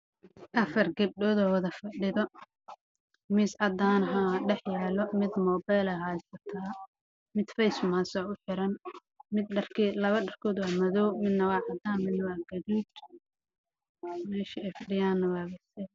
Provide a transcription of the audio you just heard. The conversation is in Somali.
Halkaan waxaa ka muuqdo afar gabdhood miis cadaan ah ayaa dhaxyaalo